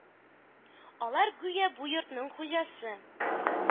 Алар, гүя, бу йортның хуҗасы